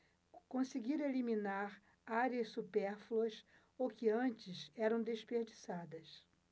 conseguiram eliminar áreas supérfluas ou que antes eram desperdiçadas